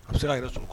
A bɛ se a yɛrɛ so